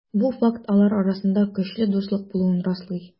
Бу факт алар арасында көчле дуслык булуын раслый.